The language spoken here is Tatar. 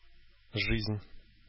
Жизнь